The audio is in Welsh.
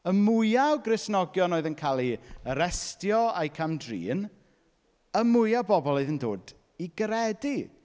Y mwya o Gristnogion oedd yn cael eu arestio a'u camdrin y mwya o bobl oedd yn dod i gredu.